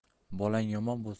bolang yomon bo'lsa